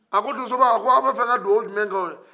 a ko donsoba a ko aw bɛ fɛ n ka dugaw jumɛ kɛ aw ye